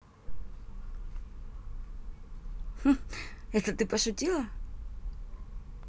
это ты пошутила